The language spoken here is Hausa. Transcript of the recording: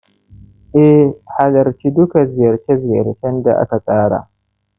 eh, halarci duka ziyarce-ziyarcen da aka tsara